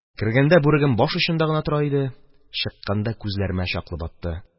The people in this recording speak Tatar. Кергәндә бүрегем баш очында гына тора иде, чыкканда күзләремә чаклы батты